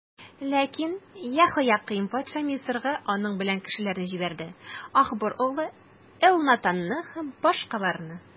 Ләкин Яһоякыйм патша Мисырга аның белән кешеләрне җибәрде: Ахбор углы Элнатанны һәм башкаларны.